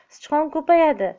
sichqon ko'payadi